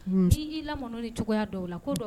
lamɔn n'o ye cogoya dɔw la ko